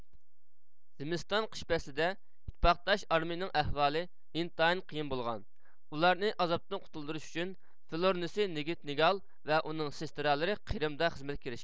زىمىستان قىش پەسلىدە ئىتتىپاقداش ئارمىيىنىڭ ئەھۋالى ئىنتايىن قىيىن بولغان ئۇلارنى ئازابتىن قۇتۇلدۇرۇش ئۈچۈن فلورنىسى نىگىتنگال ۋە ئۇنىڭ سېستىرالىرى قىرىمدا خىزمەتكە كىرىشكەن